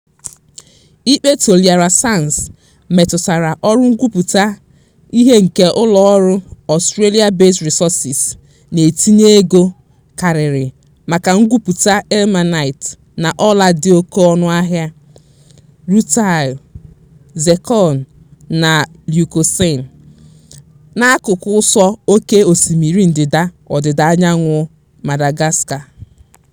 ZR: Ikpe Toliara Sands metụtara ọrụ ngwupụta ihe nke ụlọọrụ Australia Base Resources na-etinye ego karịrị maka ngwupụta ilmenite na ọla dị oke ọnụahịa (rutile, zircon na leucoxene) n'akụkụ ụsọ oké osimiri ndịda ọdịdaanyanwụ Madagascar.